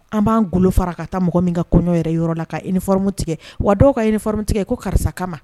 An b'an golo fara ka taa mɔgɔ min ka kɔɲɔ yɛrɛ yɔrɔ la ka i ni fm tigɛ wa dɔw ka ɲini fmu tigɛ i ko karisa kama